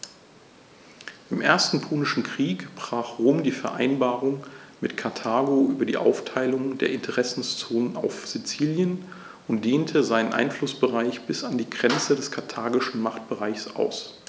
Im Ersten Punischen Krieg brach Rom die Vereinbarung mit Karthago über die Aufteilung der Interessenzonen auf Sizilien und dehnte seinen Einflussbereich bis an die Grenze des karthagischen Machtbereichs aus.